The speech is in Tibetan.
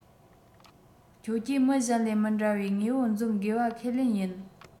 ཁྱོད ཀྱིས མི གཞན ལས མི འདྲ བའི དངོས པོ འཛོམས དགོས པ ཁས ལེན ཡིན